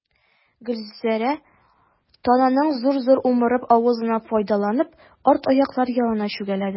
Гөлзәрә, тананың зур-зур умырып ашавыннан файдаланып, арт аяклары янына чүгәләде.